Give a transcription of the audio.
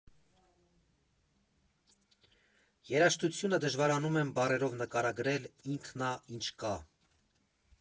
Երաժշտությունը դժվարանում եմ բառերով նկարագրել՝ ինքն էն ա, ինչ կա։